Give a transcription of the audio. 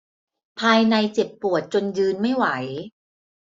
ภายในเจ็บปวดจนยืนไม่ไหว